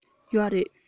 ཡོད རེད